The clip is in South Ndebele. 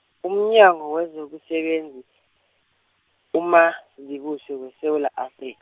umnyango wezokusebenzi, uMazibuse weSewula Afri-.